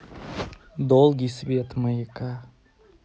долгий свет маяка